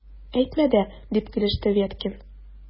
Әйтмә дә! - дип килеште Веткин.